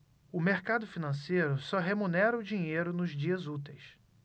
o mercado financeiro só remunera o dinheiro nos dias úteis